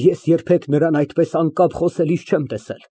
Ես երբեք նրան այդպես անկապ խոսելիս չեմ տեսել։